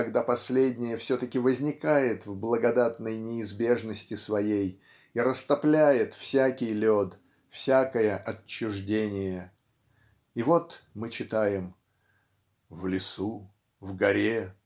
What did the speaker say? когда последнее все-таки возникает в благодатной неизбежности своей и растопляет всякий лед всякое отчуждение. И вот мы читаем В лесу, в горе